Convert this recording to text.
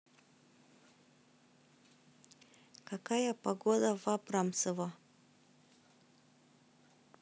какая погода в абрамцево